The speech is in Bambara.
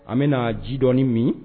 An bɛna ji dɔɔni mi